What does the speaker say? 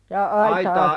jaa aitaa